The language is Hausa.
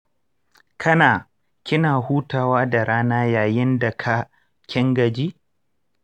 kana/kina hutawa da rana yayin da ka/kin gaji?